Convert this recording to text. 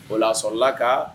O la a sɔrɔlala ka